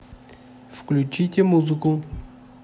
выключите музыку